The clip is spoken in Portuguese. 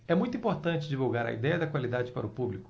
é muito importante divulgar a idéia da qualidade para o público